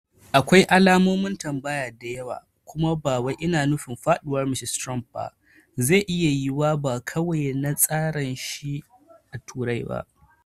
akwai alamomin tambaya da yawa, kuma bawai ina nufin faduwar Mr. Trump ba zai iya yiyuwa ba-kawai na tsaran shi a turai.